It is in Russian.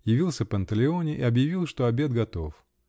Явился Панталеоне и объявил, что обед готов.